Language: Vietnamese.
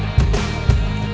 hãy